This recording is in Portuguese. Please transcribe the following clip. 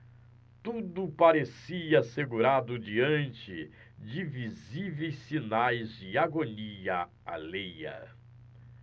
tudo parecia assegurado diante de visíveis sinais de agonia alheia